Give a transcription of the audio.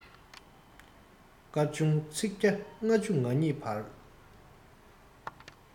སྐར ཆུང ཚིག བརྒྱ ལྔ བཅུ ང གཉིས བར